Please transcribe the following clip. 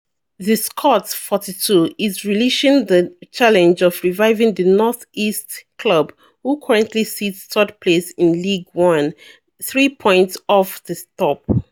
The Scot, 42, is relishing the challenge of reviving the North-East club, who currently sit third place in League One, three points off the top.